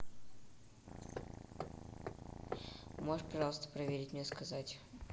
можешь пожалуйста проверить мне сказать